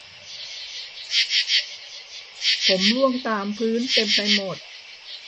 ผมร่วงตามพื้นเต็มไปหมด